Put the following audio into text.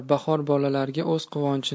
bahor bolalarga o'z quvonchi